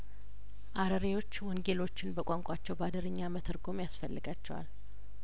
አረሬዎቹ ወንጌሎችን በቋንቋቸው በአደሪኛ መተርጐም ያስፈልጋቸዋል